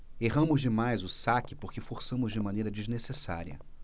erramos demais o saque porque forçamos de maneira desnecessária